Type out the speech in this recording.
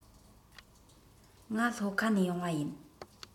ང ལྷོ ཁ ནས ཡོང པ ཡིན